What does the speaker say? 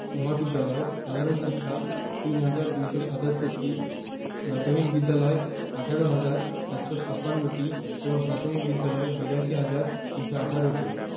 মহাবিদ্যালয় সাধারণ শিক্ষা ৩হাজার ২৭৭টি মাধ্যমিক বিদ্যালয় ১৮হাজার ৭৫৬টি এবং প্রাথমিক বিদ্যালয় ৮২হাজার ২১৮টি